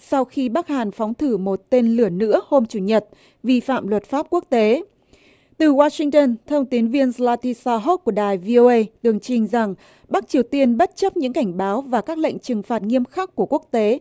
sau khi bắc hàn phóng thử một tên lửa nữa hôm chủ nhật vi phạm luật pháp quốc tế từ goa sinh tơn thông tín viên sờ la ti sa hốp của đài vi âu ây tường trình rằng bắc triều tiên bất chấp những cảnh báo và các lệnh trừng phạt nghiêm khắc của quốc tế